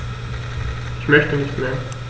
Ich möchte nicht mehr.